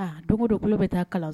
Don o son tulo bɛ taa kalan